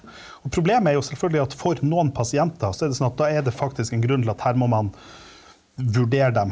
og problemet er jo selvfølgelig at for noen pasienter, så er det sånn at da er det faktisk en grunn til at her må man vurdere dem.